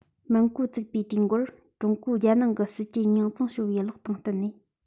མིན གོ བཙུགས པའི དུས འགོར ཀྲུང གོའི རྒྱལ ནང གི སྲིད ཇུས རྙོག འཛིང བྱུང བའི གླགས དང བསྟུན ནས